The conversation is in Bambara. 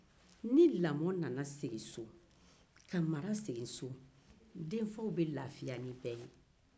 ni lamɔseginna so denfaw bɛ lafiya ni bɛɛ ye